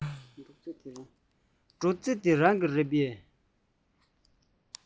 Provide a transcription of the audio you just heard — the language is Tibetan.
སྒྲོག རྩེ འདི རང གི རེད པས